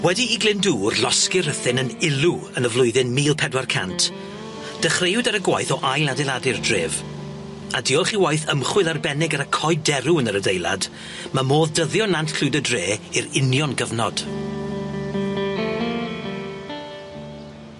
Wedi i Glyndŵr, losgi Rhuthun yn ilw yn y flwyddyn mil pedwar cant dechreuwyd ar y gwaith o ail-adeiladu'r dref, a diolch i waith ymchwil arbennig ar y coed derw yn yr adeilad ma' modd dyddio Nant Llwyd y Dre i'r union gyfnod.